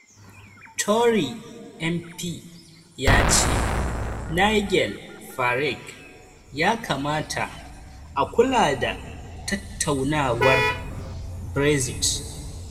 Tory MP ya ce NIGEL FARAGE ya kamata a kula da tattaunawar Brexit